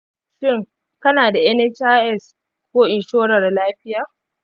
shin kana da nhis ko inshorar lafiya?